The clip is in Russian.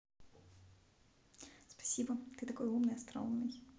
спасибо ты такой умный остроумный